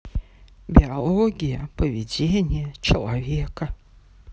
биология поведения человека